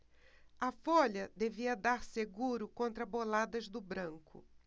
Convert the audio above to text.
a folha devia dar seguro contra boladas do branco